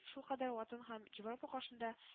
Шулкадәр ватан һәм европа каршында